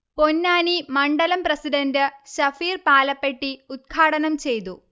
പൊന്നാനി മണ്ഡലം പ്രസിഡണ്ട് ശഫീർ പാലപ്പെട്ടി ഉദ് ഘാടനം ചെയ്തു